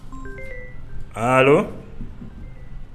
Ha